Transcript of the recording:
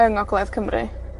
yng ngogledd Cymru,